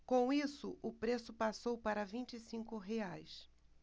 com isso o preço passou para vinte e cinco reais